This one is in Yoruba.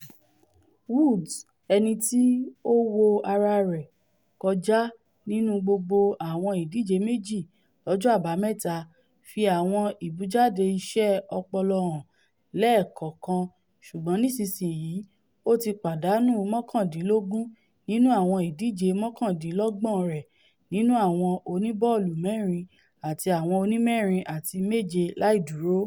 Woods, ẹnití ó wọ́ ara rẹ̀ kọjà nínú gbogbo àwọn ìdíje méji lọ́jọ́ Àbámẹ́ta, fi àwọn ìbújade iṣẹ́ ọpọlọ hàn lẹ́ẹ̀kọ̀kan ṣùgbọ́n nísinsìnyí ó ti pàdánù mọ́kàndínlógún nínú àwọn ìdíje mọ́kàndínlọ́gbọ̀n rẹ̀ nínú àwọn oníbọ́ọ̀lù-mẹ́rin àti àwọn onímẹ́rin àti méje láìdúró.